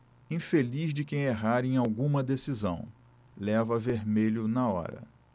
infeliz de quem errar em alguma decisão leva vermelho na hora